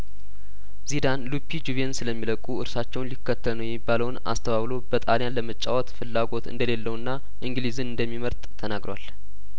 ዚዳን ሉፒ ጁቬን ስለሚለቁ እርሳቸውን ሊከተል ነው የሚባለውን አስተባብሎ በጣልያን ለመጫወት ፍላጐት እንደሌለውና እንግሊዝን እንደሚመርጥ ተናግሯል